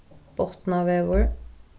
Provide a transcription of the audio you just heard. botnavegur